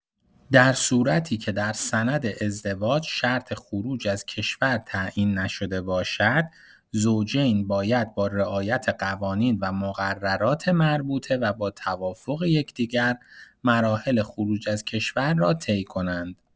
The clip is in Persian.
در صورتی که در سند ازدواج شرط خروج از کشور تعیین نشده باشد، زوجین باید با رعایت قوانین و مقررات مربوطه و با توافق یکدیگر، مراحل خروج از کشور را طی کنند.